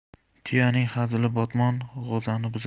tuyaning hazili botmon g'o'zani buzar